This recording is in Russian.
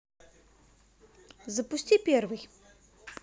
запусти первый